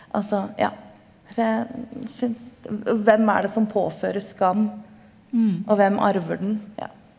altså ja så jeg syns og hvem er det som påfører skam og hvem arver den ja.